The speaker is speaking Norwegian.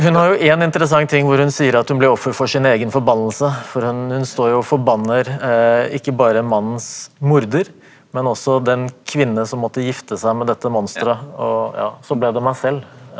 hun har jo en interessant ting hvor hun sier at hun blir offer for sin egen forbannelse for hun hun står jo og forbanner ikke bare mannens morder men også den kvinne som måtte gifte seg med dette monstret og ja så ble det meg selv.